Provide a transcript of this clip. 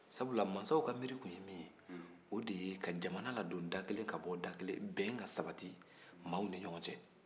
sabula masaw ka miiri tun ye min ye o de ye ka jamana ladon da kelen ka bɔ da kelen bɛn ka sabati maaw ni ɲɔgɔn cɛ